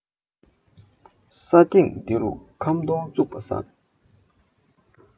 ས སྟེང འདི རུ ཁམ སྡོང བཙུགས པ བཟང